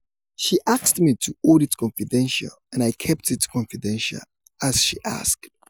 "She asked me to hold it confidential and I kept it confidential as she asked."